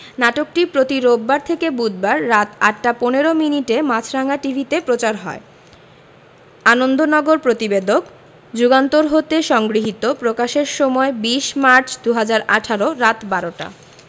নাটকটি প্রতি রোববার থেকে বুধবার রাত ৮টা ১৫ মিনিটে মাছরাঙা টিভিতে প্রচার হয় আনন্দনগর প্রতিবেদক যুগান্তর হতে সংগৃহীত প্রকাশের সময় ২০মার্চ ২০১৮ রাত ১২:০০ টা